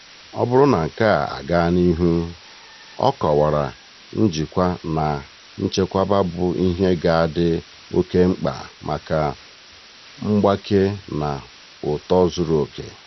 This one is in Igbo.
Ọ bụrụ na nke a agaa n'ihu, ọ kọwara, njikwa na nchekwa bụ ihe ga-adị oke mkpa maka mgbake na uto zuru oke: